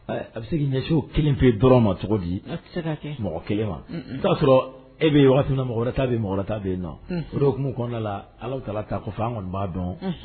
A bɛ se ɲɛsiww kelen pe dɔrɔn ma cogo di mɔgɔ kelen ma o t'a sɔrɔ e bɛ yen wagati min mɔgɔ wɛrɛta bɛ mɔgɔta bɛ yen na pro kungoumu kɔnɔna la ala ta k' fɔ fɔ an kɔni b'a dɔn